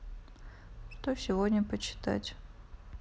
что сегодня почитать